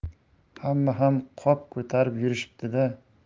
hamma ham qop ko'tarib yurishibdida